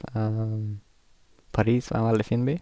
Paris var en veldig fin by.